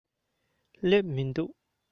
སླེབས མི འདུག